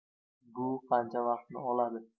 bu qancha vaqtni oladi